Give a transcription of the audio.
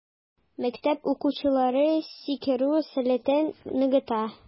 Мәктәп укучылары сикерү сәләтен ныгыта.